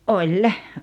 oli